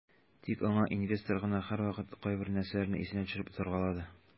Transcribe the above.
Тик аңа инвестор гына һәрвакыт кайбер нәрсәләрне исенә төшереп торгалады.